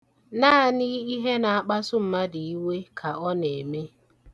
Naanị ihe na-akpasu mmadụ iwe ka ọ na-eme.